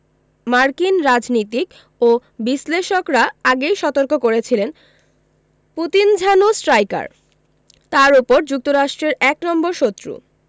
মার্কিন রাজনীতিক ও বিশ্লেষকেরা আগেই সতর্ক করেছিলেন পুতিন ঝানু স্ট্রাইকার তার ওপর যুক্তরাষ্ট্রের এক নম্বর শত্রু